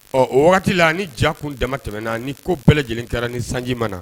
Ɔ o waati wagati ni ja kun dama tɛmɛnɛna ni ko bɛɛ lajɛlen kɛra ni sanji ma na